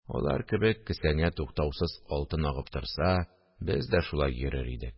Алар кебек кесәңә туктаусыз алтын агып торса, без дә шулай йөрер идек